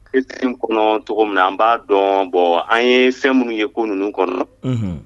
kɔnɔ cogo min an b'a dɔn bɔ an ye fɛn minnu ye ko ninnu kɔnɔ